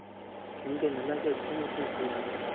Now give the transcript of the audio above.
kimga nimaga kim uchun qo'yadi